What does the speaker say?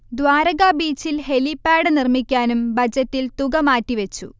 ദ്വാരകാ ബീച്ചിൽ ഹെലീപ്പാഡ് നിർമിക്കാനും ബജറ്റിൽ തുക മാറ്റിവെച്ചു